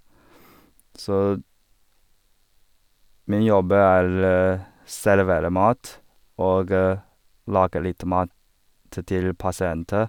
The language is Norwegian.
Så min jobb er servere mat og lage litt mat til pasienter.